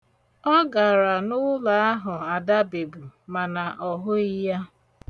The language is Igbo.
Ọ gara n'ụlọ ahụ Ada bibu mana ọ hụghị ya.